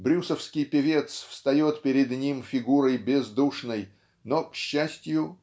брюсовский певец встает перед нами фигурой бездушной но к счастью